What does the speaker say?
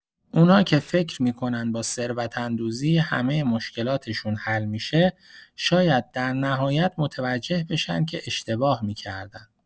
اونا که فکر می‌کنن با ثروت‌اندوزی همه مشکلاتشون حل می‌شه، شاید درن‌هایت متوجه بشن که اشتباه می‌کردن.